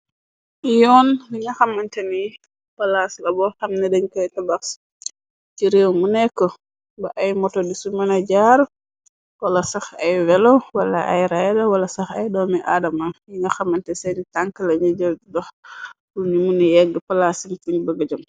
Yoon li nga xamante ni palaas la bo xam nedeñ këy tabax ci réew mu nekk. Ba ay moto disu mëna jaar wala sax ay velo wala ay raydawala sax ay doomi aadama. Yi nga xamante seeni tank la nëjël di dox purr ñu mu ni yegg palaas ci fuñ bëga jëm.